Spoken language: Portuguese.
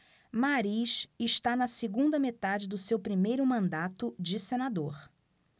mariz está na segunda metade do seu primeiro mandato de senador